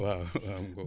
waaw waaw mu ngoog